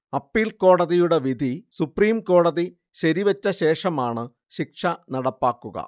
appeal കോടതിയുടെ വിധി സുപ്രീംകോടതി ശരിവെച്ച ശേഷമാണ് ശിക്ഷ നടപ്പാക്കുക